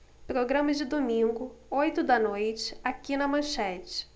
programa de domingo oito da noite aqui na manchete